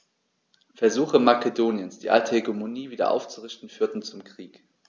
Versuche Makedoniens, die alte Hegemonie wieder aufzurichten, führten zum Krieg.